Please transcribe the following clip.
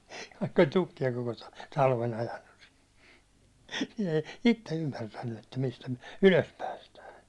vaikka oli tukkia koko - talven ajanut - ne ei itse ymmärtänyt että mistä me ylös päästään